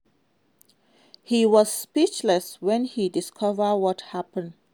He was speechless when he discovered what happened.